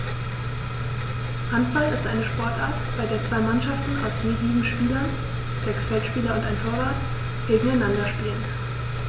Handball ist eine Sportart, bei der zwei Mannschaften aus je sieben Spielern (sechs Feldspieler und ein Torwart) gegeneinander spielen.